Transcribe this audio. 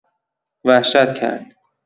وحشت کرد.